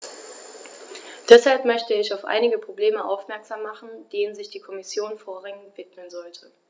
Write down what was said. Deshalb möchte ich auf einige Probleme aufmerksam machen, denen sich die Kommission vorrangig widmen sollte.